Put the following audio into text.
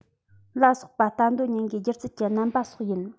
ལ སོགས པ ལྟ འདོད ཉན དགའི སྒྱུ རྩལ གྱི རྣམ པ སོགས ཡིན